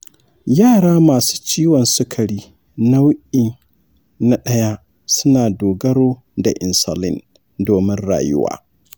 yara masu ciwon sukari nau’i na ɗaya suna dogaro da insulin domin rayuwa.